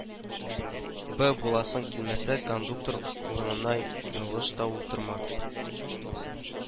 Б буласың килмәсә, кондуктор урынына ялгыш та утырма